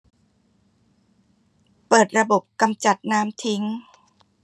เปิดระบบกำจัดน้ำทิ้ง